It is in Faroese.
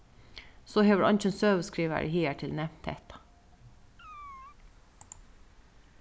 so hevur eingin søguskrivari higartil nevnt hetta